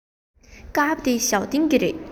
དཀར པོ འདི ཞའོ ཏོན གྱི རེད